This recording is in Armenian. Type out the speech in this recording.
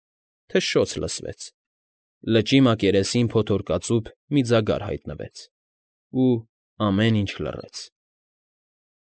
Թշշոց լսվեց, լճի մակերեսին փոթորկածուփ մի ձագար հայտնվեց ու… ամեն ինչ լռեց։